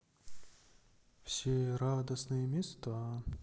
все радостные места